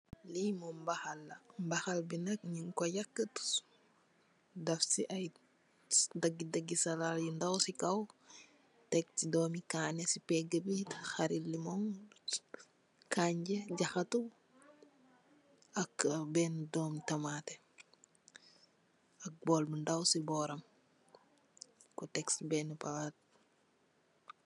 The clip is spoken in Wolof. Li Mom mbakhal la dafa aye dagi dafa salat yu ndow tek si kaw tek si dumi kaneh si pegeh b kharr lemong jahatou ak beneh dumi tamateh ak bowl bu ndow si borom nyung ku tek si palat